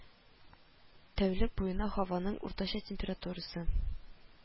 Тәүлек буена һаваның уртача температурасы